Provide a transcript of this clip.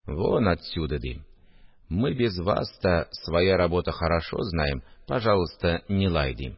«вон отсюды – дим, – мы без вас та своя работа хорошо знаем, пожалыста, не лай!» – дим